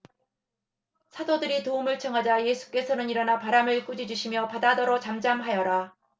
사도들이 도움을 청하자 예수께서는 일어나 바람을 꾸짖으시며 바다더러 잠잠하여라